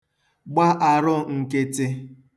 gba ārụ̄ n̄kị̄tị̄